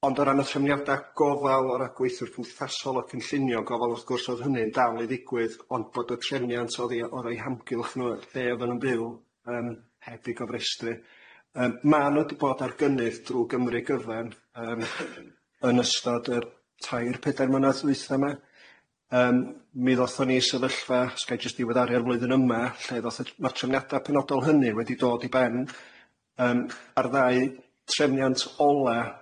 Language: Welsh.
Ond o ran y trefniada gofal o ran gweithwyr cymdeithasol a cynllunio gofal wrth gwrs o'dd hynny'n dal i ddigwydd ond bod y trefniant o'dd i o'dd o'u hamgylch nhw yy lle oddan nhw'n byw yym heb eu gofrestru yym ma' nhw 'di bod ar gynnydd drw' Gymru gyfan yym yn ystod yr tair pedair mlynedd dwytha yma yym mi ddothon ni i sefyllfa os ga'i jyst diweddaru ar flwyddyn yma lle ddoth y t- ma'r trefniada penodol hynny wedi dod i ben yym ar ddau trefniant ola' yym ar ddau trefniant ola yym